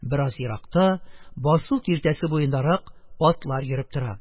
Бераз еракта, басу киртәсе буендарак, атлар йөреп тора.